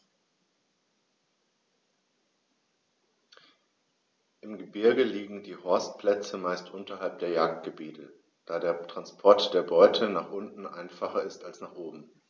Im Gebirge liegen die Horstplätze meist unterhalb der Jagdgebiete, da der Transport der Beute nach unten einfacher ist als nach oben.